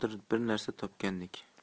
nodir bir narsa topgandek